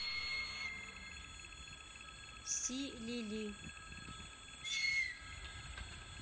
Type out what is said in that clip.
си лили